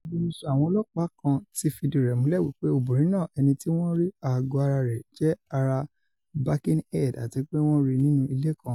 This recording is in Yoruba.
Agbẹnusọ àwọn ọlọ́ọ̀pá kan ti fìdí rẹ múlẹ̀ wí pé obìnrin náà ẹniti wọ́n rí àgọ́-ara rẹ̀ jẹ ará Birkenhead àtipé wọn ríi nínú ilé kan.